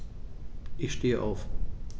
Ich stehe auf.